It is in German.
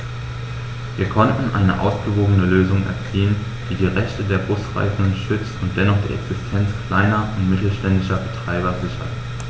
Wir konnten eine ausgewogene Lösung erzielen, die die Rechte der Busreisenden schützt und dennoch die Existenz kleiner und mittelständischer Betreiber sichert.